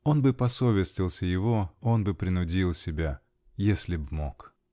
Он бы посовестился его, он бы принудил себя -- если б мог!